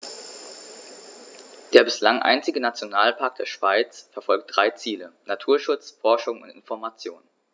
Der bislang einzige Nationalpark der Schweiz verfolgt drei Ziele: Naturschutz, Forschung und Information.